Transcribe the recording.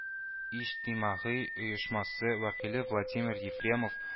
Иҗтимагый оешмасы вәкиле владимир ефремов